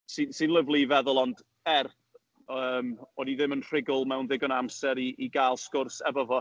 Sy'n sy'n lyfli i feddwl ond, er, yy, o'n i ddim yn rhugl mewn digon o amser i i gael sgwrs efo fo.